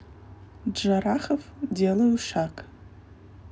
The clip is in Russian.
джарахов делаю шаг